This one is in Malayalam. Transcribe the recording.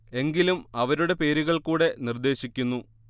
എങ്കിലും അവരുടെ പേരുകൾ കൂടെ നിർദ്ദേശിക്കുന്നു